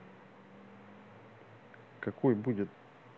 какой будет